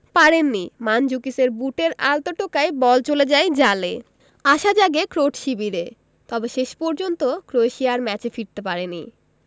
পারেননি মানজুকিচের বুটের আলতো টোকায় বল চলে যায় জালে আশা জাগে ক্রোট শিবিরে তবে শেষ পর্যন্ত ক্রোয়েশিয়া আর ম্যাচে ফিরতে পারেনি